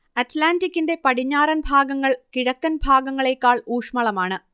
അറ്റ്ലാന്റിക്കിന്റെ പടിഞ്ഞാറൻ ഭാഗങ്ങൾ കിഴക്കൻ ഭാഗങ്ങളേക്കാൾ ഊഷ്മളമാണ്